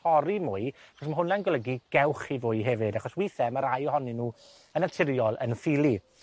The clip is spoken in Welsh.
torri mwy, achos ma' hwnna'n golygu gewch chi fwy hefyd, achos withe ma' rai ohonyn nw y naturiol yn ffili.